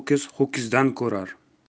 ho'kiz ho'kizdan ko'rar